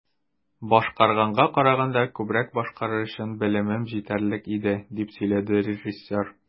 "башкарганга караганда күбрәк башкарыр өчен белемем җитәрлек иде", - дип сөйләде режиссер.